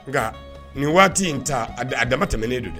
Nka nin waati in ta a dama tɛmɛnen don dɛ